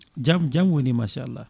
jaam jaam woni machallah